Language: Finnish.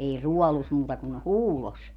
ei ruodussa muuta kuin huudossa